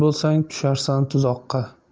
bo'lsang tusharsan tuzoqqa